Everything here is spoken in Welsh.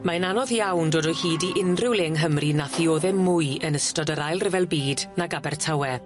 Mae'n anodd iawn dod o hyd i unryw le yng Nghymru nath ddiodde mwy yn ystod yr Ail Ryfel Byd nag Abertawe.